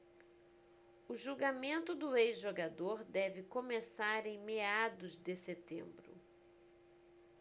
o julgamento do ex-jogador deve começar em meados de setembro